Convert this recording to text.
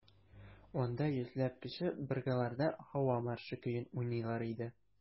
Анда йөзләп кеше быргыларда «Һава маршы» көен уйныйлар иде.